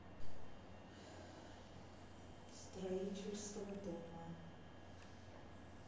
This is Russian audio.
строительство дома